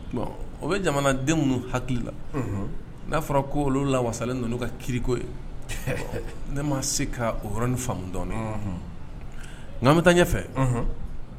Bon o bɛ jamana den hakili la n'a fɔra ko olu lamasalen nana ka kiriko ne ma se ka oɔrɔnin faamu dɔɔnin nka an bɛ taa ɲɛfɛ